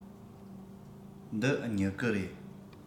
འདི སྨྱུ གུ རེད